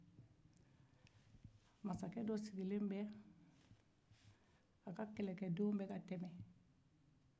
masakɛ dɔ sigilen bɛ a ka kɛlɛkɛdenw bɛka tɛmɛ